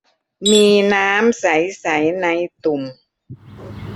มีน้ำใสใสในตุ่ม